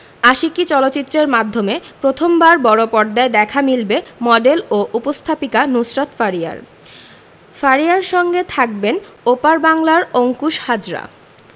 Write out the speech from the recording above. আশিকী চলচ্চিত্রের মাধ্যমে প্রথমবার বড়পর্দায় দেখা মিলবে মডেল ও উপস্থাপিকা নুসরাত ফারিয়ার ফারিয়ার সঙ্গে থাকবেন ওপার বাংলার অংকুশ হাজরা